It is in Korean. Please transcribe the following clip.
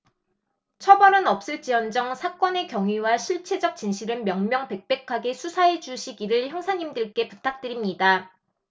처벌은 없을지언정 사건의 경위와 실체적 진실은 명명백백하게 수사해주시기를 형사님들께 부탁드립니다